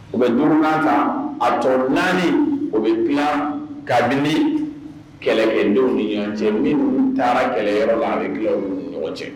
U bɛ donkan ta a tɔ naani o bɛ tila ka di kɛlɛkɛdenw ni ɲɔgɔn cɛ ni n taara kɛlɛyɔrɔ la bɛ ni ɲɔgɔn cɛ